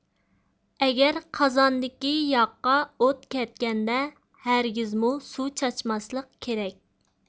ئەگەر قازاندىكى ياغقا ئوت كەتكەندە ھەرگىزمۇ سۇ چاچماسلىق كېرەك